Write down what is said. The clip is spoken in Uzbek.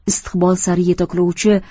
istiqbol sari yetaklovchi bir